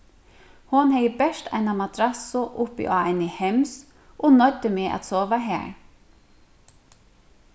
hon hevði bert eina madrassu uppi á eini hems og noyddi meg at sova har